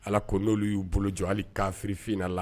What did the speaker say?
Allah _ko n'olu y'u bolo jɔ hali kaafirifi la